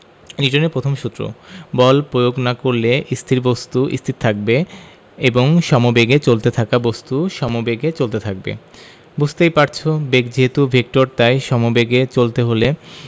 নিউটনের প্রথম সূত্র বল প্রয়োগ না করলে স্থির বস্তু স্থির থাকবে এবং সমেবেগে চলতে থাকা বস্তু সমেবেগে চলতে থাকবে বুঝতেই পারছ বেগ যেহেতু ভেক্টর তাই সমবেগে চলতে হলে